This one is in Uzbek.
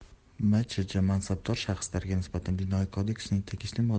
mchj mansabdor shaxslariga nisbatan jinoyat kodeksining tegishli